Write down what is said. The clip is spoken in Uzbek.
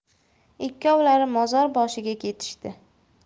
ikkovlari mozor boshiga ketishdi